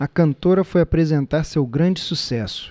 a cantora foi apresentar seu grande sucesso